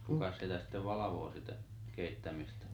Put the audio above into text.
kukas sitä sitten valvoi sitä keittämistä